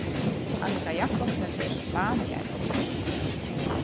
annika jacobsen er spaniari